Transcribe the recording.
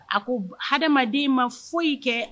A ko adamadamaden ma foyi kɛ